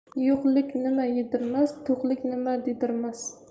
yo'qlik nima yedirmas to'qlik nima dedirmas